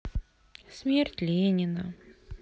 смерть ленина